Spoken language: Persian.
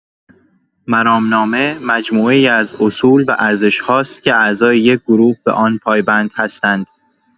مرامنامه، مجموعه‌ای از اصول و ارزش‌هاست که اعضای یک گروه به آن پایبند هستند.